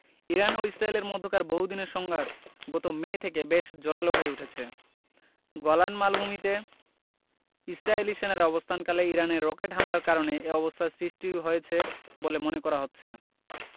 Iran ও ইসরায়েলের মধ্যকার বহুদিনের সংঘাত গত মে থেকে বেশ জোরালো হয়ে উঠেছে গোলান মালভূমিতে ইসরায়েলি সেনারা অবস্থানকালে ইরানের রকেট হামলার কারণে এ অবস্থার সৃষ্টি হয়েছে বলে মনে করা হচ্ছে